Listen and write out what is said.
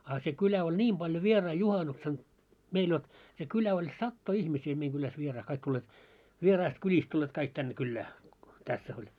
a se kyllä oli niin paljon vieraita juhannuksena meillä jotta se kylä oli satoja ihmisiä meidän kylässä vieraita kaikki tulleet vieraista kylistä tulleet kaikki tänne kylään tässä oli